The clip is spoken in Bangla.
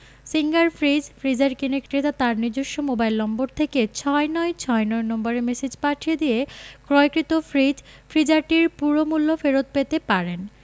সিঙ্গার ফ্রিজ ফ্রিজার কিনে ক্রেতা তার নিজস্ব মোবাইল নম্বর থেকে ৬৯৬৯ নম্বরে ম্যাসেজ পাঠিয়ে দিয়ে ক্রয়কৃত ফ্রিজ ফ্রিজারটির পুরো মূল্য ফেরত পেতে পারেন